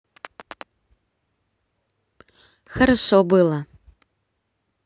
хорошо было